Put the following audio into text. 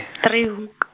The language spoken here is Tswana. Driehoek.